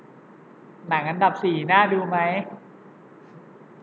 หนังอันดับสี่น่าดูไหม